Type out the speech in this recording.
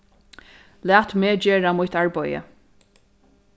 lat meg gera mítt arbeiði